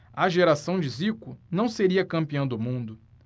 a geração de zico não seria campeã do mundo